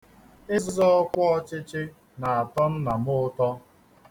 Ịzọ ọkwa ọchịchị na-atọ nna m ụtọ.